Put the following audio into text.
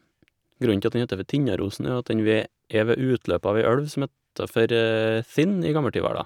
Grunnen til at den heter for Tinnarosen er jo at den ved er ved utløpet av ei elv som het for Tinn i gammeltidverda.